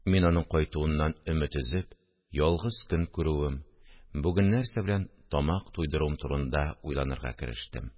Мин аның кайтуыннан өмид өзеп, ялгыз көн күрүем, бүген нәрсә белән тамак туйдыруым турында уйланырга керештем